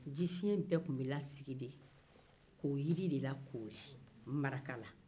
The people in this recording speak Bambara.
jifiɲɛ bɛ tun bɛ lasigi de k'o jiri de lakoori marikala